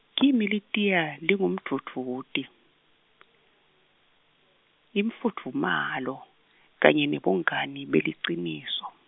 kimi litiya lingumdvudvuti, imfudvumalo, kanye nebungani beliciniso.